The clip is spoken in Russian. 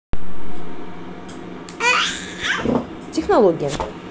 технология